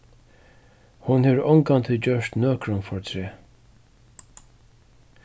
hon hevur ongantíð gjørt nøkrum fortreð